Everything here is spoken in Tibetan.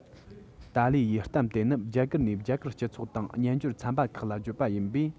ཏཱ ལའི ཡིས གཏམ དེ ནི རྒྱ གར ནས རྒྱ གར སྤྱི ཚོགས དང སྨྱན སྦྱོར ཚན པ ཁག ལ བརྗོད པ ཡིན པས